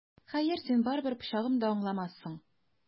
Хәер, син барыбер пычагым да аңламассың!